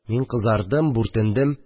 Мин кызардым, бүртендем